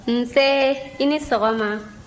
nse i ni sɔgɔma